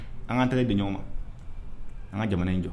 An ka taa di ɲɔgɔn ma an ka jamana in jɔ